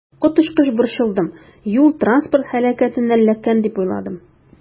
Коточкыч борчылдым, юл-транспорт һәлакәтенә эләккән дип уйладым.